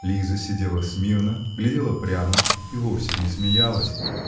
Лиза сидела смирно, глядела прямо и вовсе не смеялась.